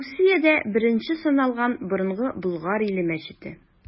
Русиядә беренче саналган Борынгы Болгар иле мәчете.